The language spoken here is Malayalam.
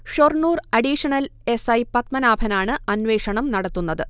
Shoranur additional S. ഐ. പത്മനാഭനാണ് അന്വേഷണം നടത്തുന്നത്